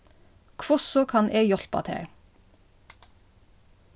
hvussu kann eg hjálpa tær